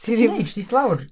be ti'n neud jyst ista lawr?